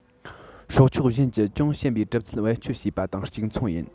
སྲོག ཆགས གཞན གྱི ཅུང ཞན པའི གྲུབ ཚུལ བེད སྤྱོད བྱས པ དང གཅིག མཚུངས ཡིན